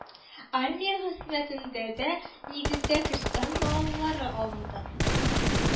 Армия хезмәтендә дә, нигездә, крестьян балалары алынды